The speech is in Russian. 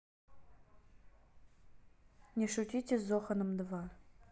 не шутите с зоханом два